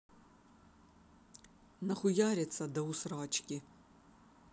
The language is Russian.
нахуярится до усрачки